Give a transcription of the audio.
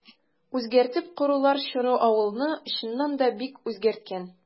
Үзгәртеп корулар чоры авылны, чыннан да, бик үзгәрткән.